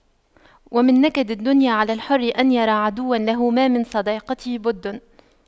ومن نكد الدنيا على الحر أن يرى عدوا له ما من صداقته بد